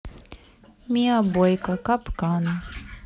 миа бойко капкан